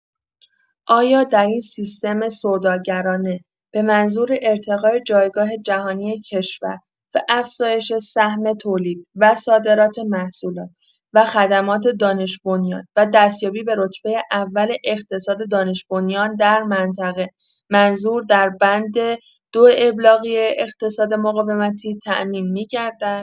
آیا در این سیستم سوداگرانه «به منظور ارتقاء جایگاه جهانی کشور و افزایش سهم تولید و صادرات محصولات و خدمات دانش‌بنیان و دستیابی به رتبه اول اقتصاد دانش‌بنیان در منطقه» منظور در بند۲ ابلاغیۀ اقتصاد مقاومتی تامین می‌گردد؟